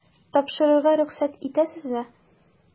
Тапшырырга рөхсәт итәсезме? ..